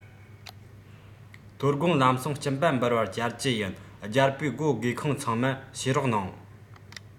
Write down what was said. དོ དགོང ལམ སེང སྐྱིན པ འབུལ བར བཅར གྱི ཡིན རྒྱལ པོས སྒོ སྒེའུ ཁུང ཚང མ ཕྱེ རོགས གནང